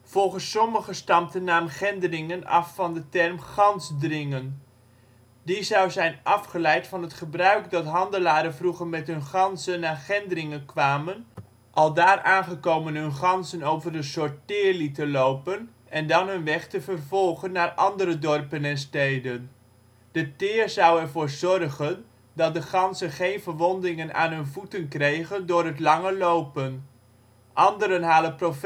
Volgens sommigen stamt de naam Gendringen af van de term " Gans dringen " die zou zijn afgeleid van het gebruik dat handelaren vroeger met hun ganzen naar Gendringen kwamen, aldaar aangekomen hun ganzen over een soort teer lieten lopen en dan hun weg te vervolgden naar andere dorpen en steden. De teer zou ervoor zorgen dat de ganzen geen verwondingen aan hun voeten kregen door het lange lopen. [bron?] Anderen halen Prof.